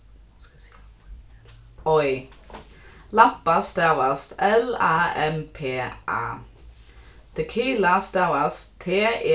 skal eg siga ella oy lampa stavast l a m p a tequila stavast t